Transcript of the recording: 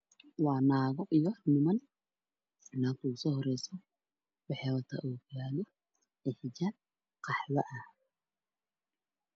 Waa naago iyo niman waxay joogaan xaflad waxay ku fadhiyaan kuraas guduud waxay wataan shaatiya caddaan xijaabo qaxoow madow